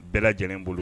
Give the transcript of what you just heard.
Bɛɛ lajɛlen n bolo